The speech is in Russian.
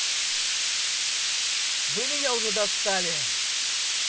вы меня уже достали